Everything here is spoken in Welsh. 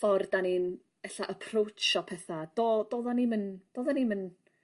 ffor 'dan ni'n ella aproachio petha do- do'ddan ni'm yn do'ddan ni'm yn